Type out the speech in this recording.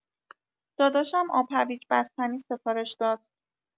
داداشم آب هویچ بستنی سفارش داد.